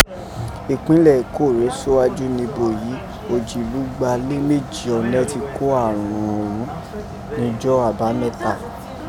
Ipẹ́nlẹ̀ Eko ree sígwaju nibo yìí ojilelugba le meji ọnẹ ti ko arọ̀n ọ̀ghọ́n nọjọ Abamẹta.